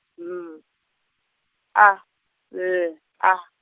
M, A, L, A.